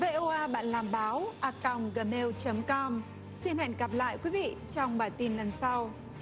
vê o a bạn làm báo a còng gờ mêu chấm com xin hẹn gặp lại quý vị trong bảng tin lần sau